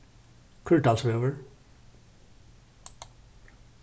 kúrdalsvegur